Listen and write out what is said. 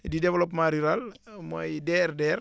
du développement rural mooy DRDR